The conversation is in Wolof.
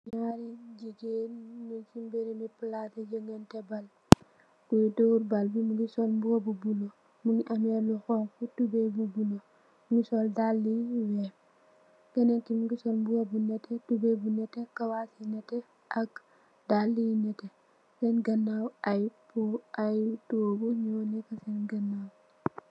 Naari jigeen nyu si beremi palaci joganteh baal koi door baal bi mongi sol mbuba bu bulu mongi ame lu xonxu tubai bu bulu mu sol daala yu weex kenen ki mongi sol tubai bu netex kawas yu netex ak daala yu netex sen ganaw ay togu ay togu nyu neka sen ganaw.